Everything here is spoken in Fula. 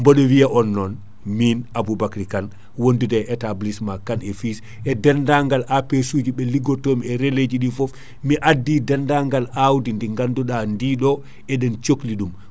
boɗo wiya on non min Aboubacry Kane wondude e établissement Kane et fils e dennagal APS suji ɓe liggoɗtomi e relais ɗi foof mi addi dendagal awdi ndi ganduɗa ndi ɗo eɗen cohli ɗum